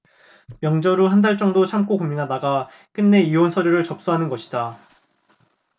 명절 후 한달 정도 참고 고민하다가 끝내 이혼 서류를 접수하는 것이다